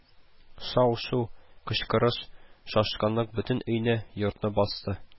Шау-шу, кычкырыш, шашкынлык бөтен өйне, йортны басты